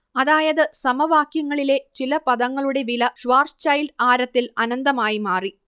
അതായത് സമവാക്യങ്ങളിലെ ചില പദങ്ങളുടെ വില ഷ്വാർസ്ചൈൽഡ് ആരത്തിൽ അനന്തമായി മാറി